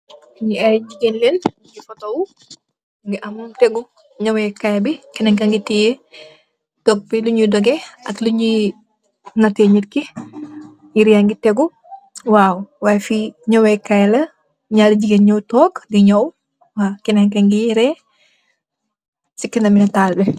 Njee aiiy gigain len nju photo wou, nju am tehgu njaweh kaii bii, kenen kaangui tiyeh top bii lii njui dohgeh ak lii njui nateh nitt kii, yehreh yaangy tehgu waw yy fii njaweh kaii la, njarri gigain njur tog dii njaww waw, kenen kii ngui reeh cii kanami natal bii.